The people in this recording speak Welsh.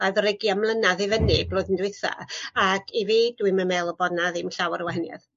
O'dd yn ugian mlynadd i fyny blwyddyn dwetha ac i fi dwi'm yn me'wl y bod 'na ddim llawer o wahaniaeth.